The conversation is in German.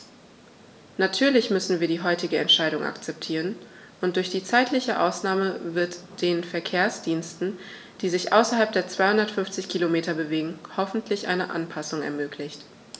Natürlich müssen wir die heutige Entscheidung akzeptieren, und durch die zeitliche Ausnahme wird den Verkehrsdiensten, die sich außerhalb der 250 Kilometer bewegen, hoffentlich eine Anpassung ermöglicht.